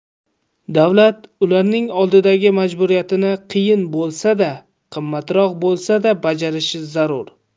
davlat ularning oldidagi majburiyatini qiyin bo'lsa da qimmatroq bo'lsa da bajarishi zarur